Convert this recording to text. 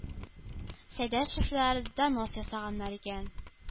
Сәйдәшевләр донос ясаганнар икән,